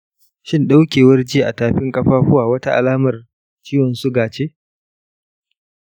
shin ɗaukewar ji a tafin ƙafafuwa wata alamar ciwon suga ce?